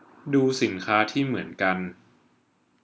ดูสินค้าที่เหมือนกัน